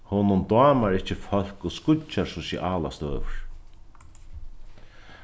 honum dámar ikki fólk og skýggjar sosialar støður